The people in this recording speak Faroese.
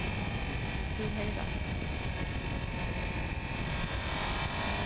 tú hevði rætt